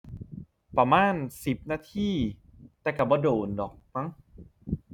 ประมาณสิบนาที แต่ก็บ่โดนดอกมั้ง